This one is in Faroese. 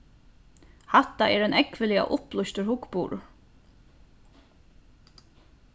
hatta er ein ógvuliga upplýstur hugburður